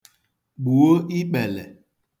gbùo ikpèlè